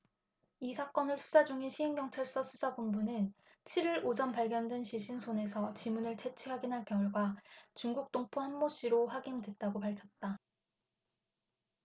이 사건을 수사 중인 시흥경찰서 수사본부는 칠 일 오전 발견된 시신 손에서 지문을 채취 확인한 결과 중국 동포 한모씨로 확인됐다고 밝혔다